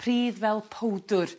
pridd fel powdwr